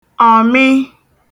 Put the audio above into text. ọ̀mị